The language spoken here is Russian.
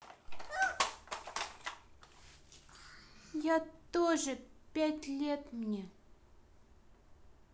я тоже пять лет мне